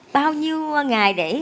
bao nhiêu ngày để